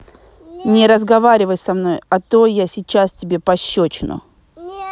не разговаривай со мной а то я сейчас тебе пощечину